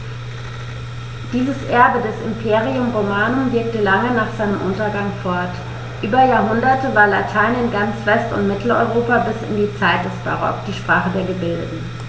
Dieses Erbe des Imperium Romanum wirkte lange nach seinem Untergang fort: Über Jahrhunderte war Latein in ganz West- und Mitteleuropa bis in die Zeit des Barock die Sprache der Gebildeten.